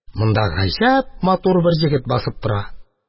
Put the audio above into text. Монда гаҗәп матур бер егет басып тора.